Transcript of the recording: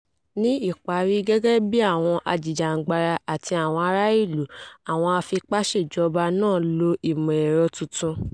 Ní ìparí, gẹ́gẹ́ bíi àwọn ajìjàgbara àti àwọn ará-ìlú, àwọn afipáṣèjọba náà ń lo ìmọ̀-ẹ̀rọ tuntun.